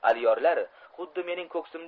alyorlar xuddi mening ko'ksimdan